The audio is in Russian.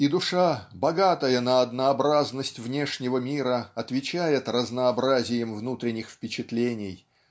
И душа богатая на однообразность внешнего мира отвечает разнообразием внутренних впечатлений